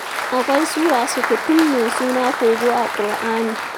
Akwai sura sukutum mai suna Kogo a ƙur'ani.